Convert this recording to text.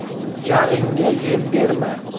jag'ingga yem berma